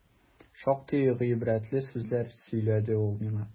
Шактый гыйбрәтле сүзләр сөйләде ул миңа.